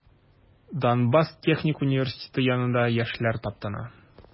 Донбасс техник университеты янында яшьләр таптана.